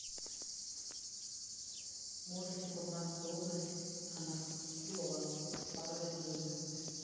можете курганскую область анаркулова показать деревню